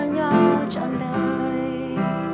nhau trọn đời